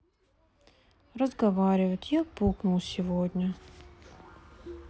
разговаривать я пукнул сегодня